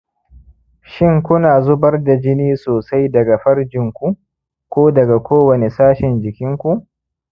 shin ku na zubar da jini sosai daga farjinku ko daga kowane sashen jikinku